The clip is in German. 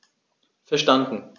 Verstanden.